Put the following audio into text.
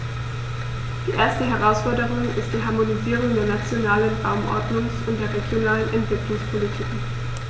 Die erste Herausforderung ist die Harmonisierung der nationalen Raumordnungs- und der regionalen Entwicklungspolitiken.